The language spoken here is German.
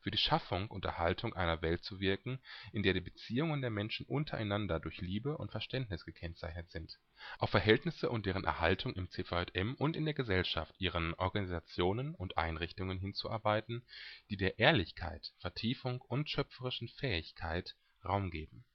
die Schaffung und Erhaltung einer Welt zu wirken, in der die Beziehungen der Menschen untereinander durch Liebe und Verständnis gekennzeichnet sind. Auf Verhältnisse und deren Erhaltung im CVJM und in der Gesellschaft, ihren Organisationen und Einrichtungen hinzuarbeiten, die der Ehrlichkeit, Vertiefung und schöpferischen Fähigkeit Raum geben